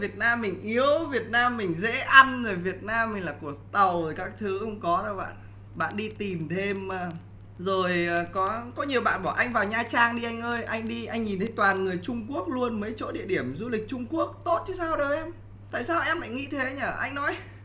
việt nam mình yếu việt nam mình dễ ăn rồi việt nam mình là của tàu các thứ không có đâu bạn bạn đi tìm thêm à rồi có có nhiều bạn bảo anh vào nha trang đi anh ơi anh đi anh nhìn thấy toàn người trung quốc luôn mấy chỗ địa điểm du lịch trung quốc tốt chứ sao đâu em tại sao em lại nghĩ thế nhờ anh nói